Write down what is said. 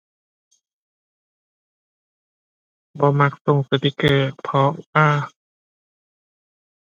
บ่มักส่งสติกเกอร์ เพราะว่า